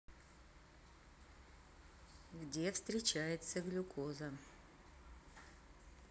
где встречается глюкоза